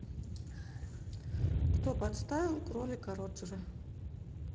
кто подставил кролика роджера